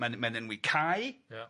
Mae'n mae'n enwi Cai. Ia.